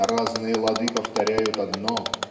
на разные лады повторяют одно